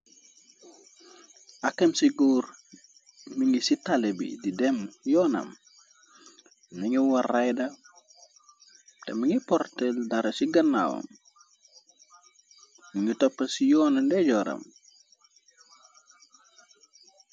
Akam ci góur mi ngi ci talé bi di dem yoonam nangi war ryda té mi ngi portel dara ci gannaawam munu toppa ci yoona ndeejooram.